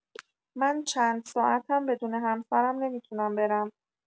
من چند ساعتم بدون همسرم نمی‌تونم برم.